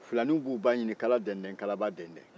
filaninw b'u ba ɲini kala dɛndɛn kalaba dɛndɛn